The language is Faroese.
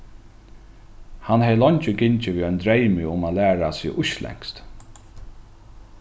hann hevði leingi gingið við einum dreymi um at læra seg íslendskt